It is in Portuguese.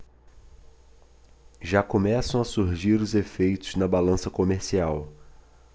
já começam a surgir os efeitos na balança comercial